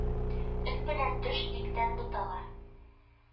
Өн белән төш тиктән бутала